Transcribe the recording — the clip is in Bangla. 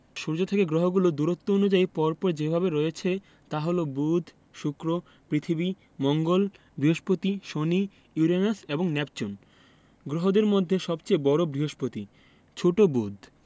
সূর্য থেকে গ্রহগুলো দূরত্ব অনুযায়ী পর পর যেভাবে রয়েছে তা হলো বুধ শুক্র পৃথিবী মঙ্গল বৃহস্পতি শনি ইউরেনাস এবং নেপচুন গ্রহদের মধ্যে সবচেয়ে বড় বৃহস্পতি এবং ছোট বুধ